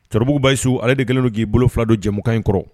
Cɔribugu Bahisu ale de kɛlen do k'i bolo 2 don jɛmukan in kɔrɔ